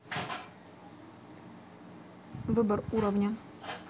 выбор уровня